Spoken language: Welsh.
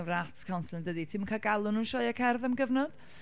efo’r Arts Council, yn dydy? Ti’m yn cael galw nhw’n sioeau cerdd am gyfnod?